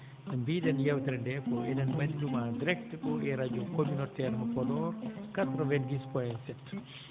ko mbiɗen ko yeewtere nde ko enen mbaɗi ɗum en direct ɗo e radio communautaire mo Podor 90 POINT 7